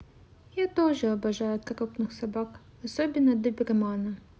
я тоже обожаю крупных собак особенно добермана